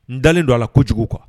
Dalen don a la ko jugu kan